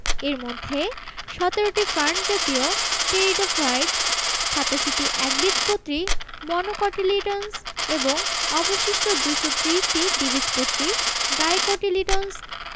এর মধ্যে ১৭টি ফার্নজাতীয় টেরিডোফাইটস ৮৭টি একবীজপত্রী মনোকটিলিডন্স এবং অবশিষ্ট ২৩০টি দ্বিবীজপত্রী ডাইকটিলিডন্স